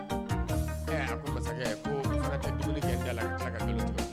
Ɛ a ko masakɛ koo n fɛnɛ tɛ dumuni kɛ n da la ka tila ka galon tig'o da